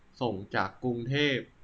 ส่งจากกรุงเทพ